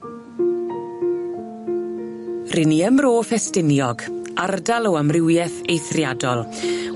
Ry' ni ym Mro Ffestiniog, ardal o amrywieth eithriadol.